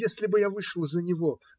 Если бы я вышла за него?